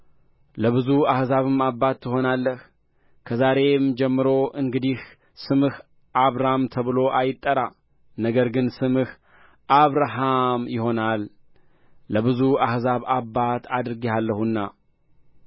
ለብዙ አሕዛብም አባት ትሆናለህ ከዛሬም ጀምሮ እንግዲህ ስምህ አብራም ተብሎ አይጠራ ነገር ግን ስምህ አብርሃም ይሆናል ለብዙ አሕዛብ አባት አድርጌሃለሁና